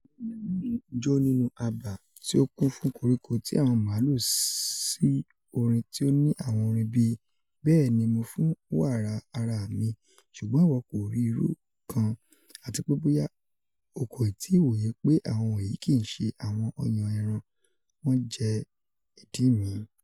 Awọn iya mẹrin jó nínú abà ti o kún fun koriko ti awọn maalu si orin ti o ni awọn orin bi: "Bẹẹni, Mo fun wara ara mi, ṣugbọn iwọ ko ri iru kan" ati pe boya o koiti woye pe awọn wọnyi kii ṣe awọn ọyọn ẹran, wọn jẹ idi mi."